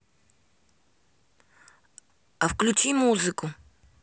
а включи музыку